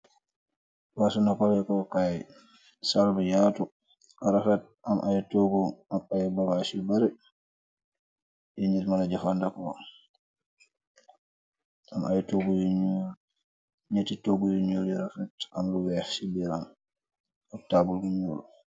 Waasu na palekokaay, salbu yaatu, raxat am ay toggu, ak ay bawaas yu barë yi njir mëna jëfandako, am ayñetti toggu, yuñu li raxat am lu weex , ci biiran oktaabul gu ñuul.